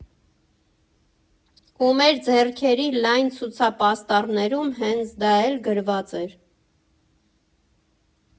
Ու մեր ձեռքերի լայն ցուցապաստառներում հենց դա էլ գրված էր.